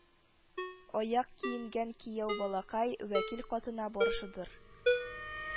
Аяк киенгән кияү балакай, вәкил катына барышыдыр